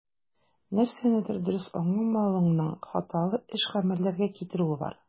Нәрсәнедер дөрес аңламавыңның хаталы эш-гамәлләргә китерүе бар.